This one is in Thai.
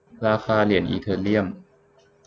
ราคาเหรียญอีเธอเรียม